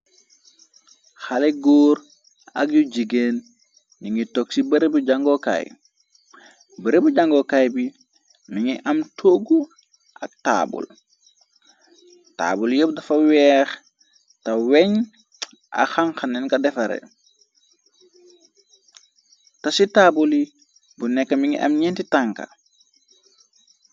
xale góor ak yu jigeen ni ngi tog ci barebu jangookaay barebu jangookaay bi mi ngi am toggu ak taabul taabul yeb dafa weex ta weñ ak xanxaneen ka defare te ci taabuli bu nekk mi ngi am ñenti tanka